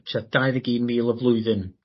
tua dau ddeg un mil y flwyddyn.